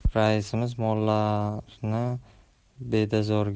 raisimiz mollarni bedazorga